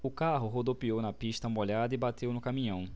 o carro rodopiou na pista molhada e bateu no caminhão